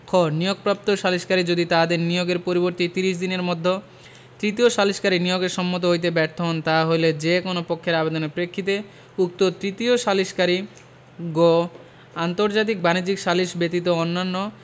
খ নিয়োগপ্রাপ্ত সালিসকারী যদি তাহাদের নিয়োগের পরিবর্তি ত্রিশ দিনের মধ্য তৃতীয় সালিসকারী নিয়োগে সম্মত হইতে ব্যর্থ হন তাহা হইলে যে কোন পক্ষের আবেদনের প্রেক্ষিতে উক্ত তৃতীয় সালিসকারী গ আন্তর্জাতিক বাণিজ্যিক সালিস ব্যতীত অন্যান্য